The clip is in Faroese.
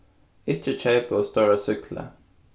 ikki keypa ov stóra súkklu